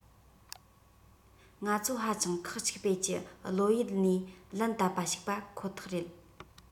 ང ཚོ ཧ ཅང ཁག གཅིག སྤེལ གྱི བློ ཡུལ ནས ལན བཏབ པ ཞིག པ ཁོ ཐག རེད